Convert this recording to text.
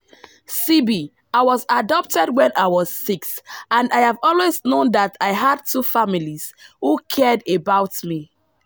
CB: I was adopted when I was six and I have always known that I had two families who cared about me.